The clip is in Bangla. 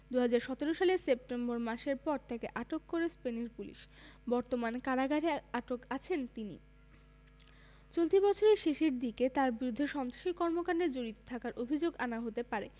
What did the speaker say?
২০১৭ সালের সেপ্টেম্বর মাসের পর তাকে আটক করে স্পেনের পুলিশ বর্তমানে কারাগারে আটক আছেন তিনি চলতি বছরের শেষের দিকে তাঁর বিরুদ্ধে সন্ত্রাসী কর্মকাণ্ডে জড়িত থাকার অভিযোগ আনা হতে পারে